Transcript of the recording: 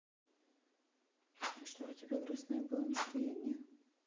а что у тебя грустное было настроение